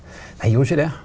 eg gjorde ikkje det.